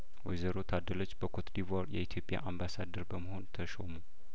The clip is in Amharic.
ወይዘሮ ታደለች በኮትዲቯር የኢትዮጵያ አምባሳደር በመሆን ተሾሙ